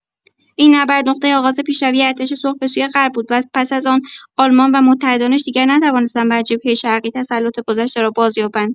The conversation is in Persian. این نبرد نقطه آغاز پیشروی ارتش سرخ به سوی غرب بود و پس از آن آلمان و متحدانش دیگر نتوانستند بر جبهه شرقی تسلط گذشته را بازیابند.